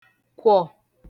kwọ̀